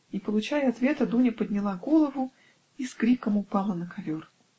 Не получая ответа, Дуня подняла голову. и с криком упала на ковер.